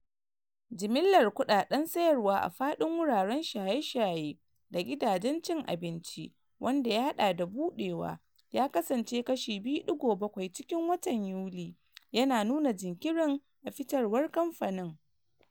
Jimillar kudaden sayarwa a fadin wuraren shaye-shaye da gidajen cin abinci, wanda ya hada da budewa, ya kasance kashi 2.7 cikin watan Yuli, yana nuna jinkirin a fitarwar kamfanin.